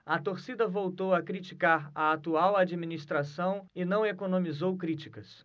a torcida voltou a criticar a atual administração e não economizou críticas